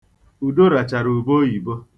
Udo rachara ube oyibo.